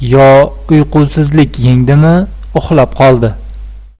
uyqusizlik yengdimi uxlab qoldi